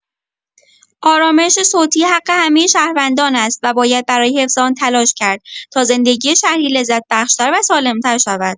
آرامش صوتی حق همه شهروندان است و باید برای حفظ آن تلاش کرد تا زندگی شهری لذت‌بخش‌تر و سالم‌تر شود.